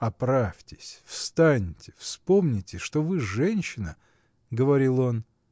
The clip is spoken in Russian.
— Оправьтесь, встаньте, вспомните, что вы женщина. — говорил он.